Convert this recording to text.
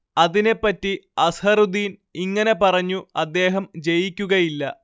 അതിനെപ്പറ്റി അസ്‌ഹറുദ്ദീൻ ഇങ്ങനെ പറഞ്ഞു അദ്ദേഹം ജയിക്കുകയില്ല